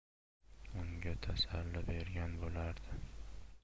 unga tasalli bergan bo'lardi